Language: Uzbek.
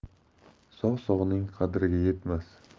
sog' sog'ning qadriga yetmas